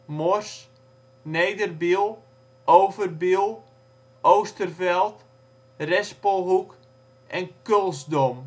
Mors, Nederbiel, Overbiel, Oosterveld, Respelhoek en Kulsdom